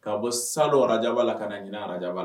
Ka bɔ sa ara jaba la ka j ara la